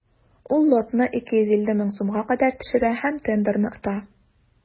Ул лотны 250 мең сумга кадәр төшерә һәм тендерны ота.